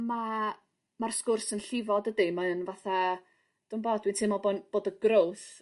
Ma' ma'r sgwrs yn llifo dydi mae o'n fatha dwbo dwi'n teimlo bo' n- bod y growth